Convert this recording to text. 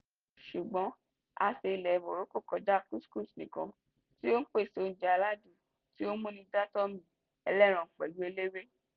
Ṣùgbọ́n àsè ilẹ̀ Morocco kọjá couscous nìkan, tí ó ń pèsè oúnjẹ aládùn tí ó ń múni dátọ́ mì, ẹlẹ́ran pẹ̀lú eléwé.